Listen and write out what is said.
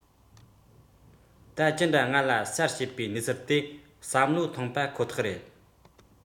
རིག དངོས དག ལ སྲུང སྐྱོབ གང ལེགས བྱ དགོས པ ཁོ ཐག རེད